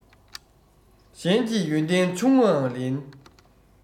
གཞན གྱི ཡོན ཏན ཆུང ངུའང ལེན